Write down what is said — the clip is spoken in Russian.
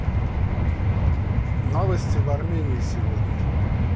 новости в армении сегодня